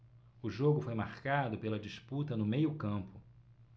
o jogo foi marcado pela disputa no meio campo